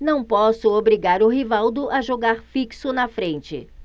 não posso obrigar o rivaldo a jogar fixo na frente